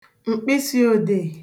m̀kpịsịodeè